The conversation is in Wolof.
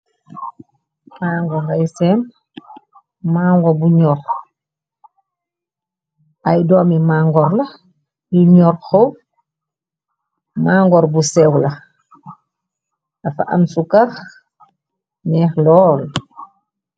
mango ngay sem mango bu ñoor ay doomi mangor la yu ñor xow mangor bu seew la dafa am sukax neex lool